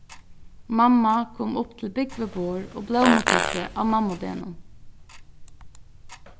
mamma kom upp til búgvið borð og blómutyssi á mammudegnum